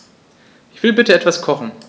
Ich will bitte etwas kochen.